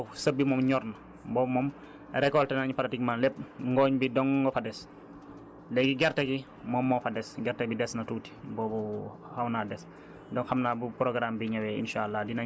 léegi sëb bi ñu def foofu sëb bi moom ñor na boobu moom récolter nañ partiquement lépp ngooñ bi dong a fa des léegi gerte gi moom moo fa des gerte bi des na tuuti boobu xaw naa des